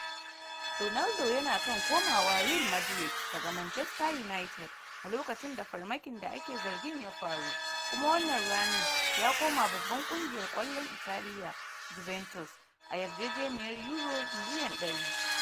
Ronaldo yana kan komawa Real Madrid daga Manchester United a lokacin da farmakin da ake zargin ya faru, kuma wannan ranin ya koma babban kungiyar kwallon Italia Juventus a yarjejeniyar Yuro miliyan100.